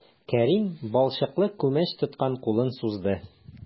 Кәрим балчыклы күмәч тоткан кулын сузды.